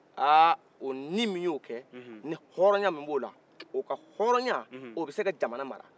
ah o nin min y'o kɛ ni hɔrɔya min b'ola o ka hɔrɔya o bɛ seka jamana mara